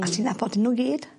A ti nabod n'w gyd.